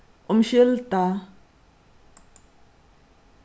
umskylda